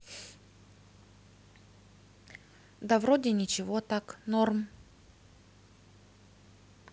да вроде ничего так норм